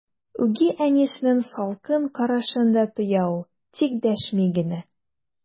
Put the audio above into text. Үги әнисенең салкын карашын да тоя ул, тик дәшми генә.